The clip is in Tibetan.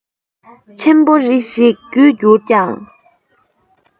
ཆེན པོ རེ ཞིག རྒུད གྱུར ཀྱང